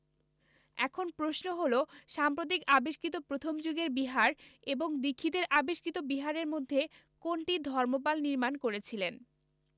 এখন প্রশ্ন হলো সাম্প্রতিক আবিষ্কৃত প্রথম যুগের বিহার এবং দীক্ষিতের আবিষ্কৃত বিহারের মধ্যে কোনটি ধর্মপাল নির্মাণ করেছিলেন